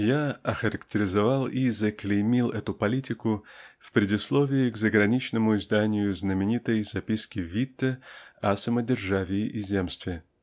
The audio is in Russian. Я охарактеризовал и заклеймил эту политику в предисловии к заграничному изданию знаменитой записки Витте о самодержавии и земстве.